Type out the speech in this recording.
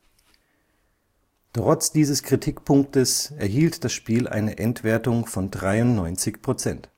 Trotz dieses Kritkpunktes erhielt das Spiel eine Endwertung von 93 %